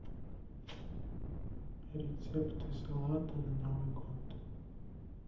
рецепты салата на новый год